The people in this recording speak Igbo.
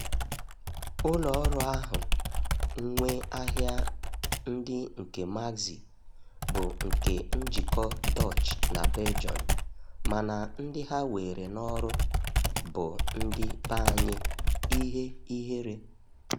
Ụlọ ọrụ ahụ [nwe ahịa ndị nke Maxi] bụ nke njikọ Dutch na Belgium mana ndị ha were n'ọrụ bụ ndị be anyị! Ihe ihere!